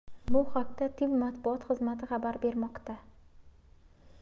bu haqda tiv matbuot xizmati xabar bermoqda